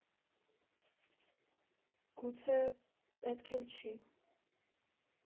Գուցե, պետք էլ չի։